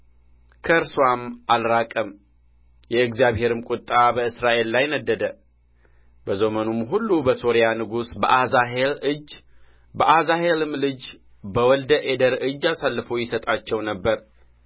ከእርስዋም አልራቀም የእግዚአብሔርም ቍጣ በእስራኤል ላይ ነደደ በዘመኑም ሁሉ በሶርያው ንጉሥ በአዛሄል እጅ በአዛሄልም ልጅ በወልደ አዴር እጅ አሳልፎ ይሰጣቸው ነበር